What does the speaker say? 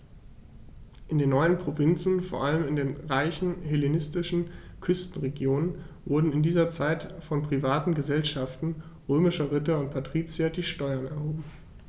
In den neuen Provinzen, vor allem in den reichen hellenistischen Küstenregionen, wurden in dieser Zeit von privaten „Gesellschaften“ römischer Ritter und Patrizier die Steuern erhoben.